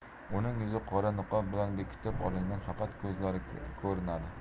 uning yuzi qora niqob bilan bekitib olingan faqat ko'zlari ko'rinadi